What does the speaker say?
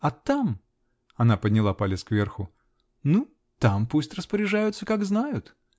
а там (она подняла палец кверху) -- ну, там пусть распоряжаются, как знают.